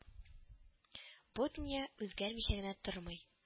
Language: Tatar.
Бу дөнья үзгәрмичә генә тормый